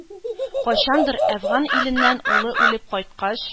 Кайчандыр Әфган иленнән улы үлеп кайткач,